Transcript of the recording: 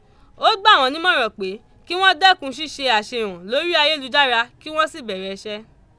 Ó gbà wọ́n nímọ̀ràn pé "kí wọ́n dẹ́kun ṣíṣe àṣehàn lórí ayélujára kí wọ́n sì bẹ̀rẹ̀ iṣẹ́!"